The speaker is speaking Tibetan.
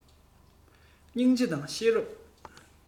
སྙིང རྗེ དང ཤེས རབ